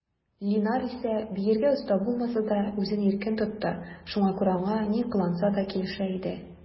Линар исә, биергә оста булмаса да, үзен иркен тотты, шуңа күрә аңа ни кыланса да килешә иде.